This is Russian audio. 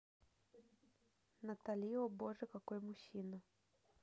натали о боже какой мужчина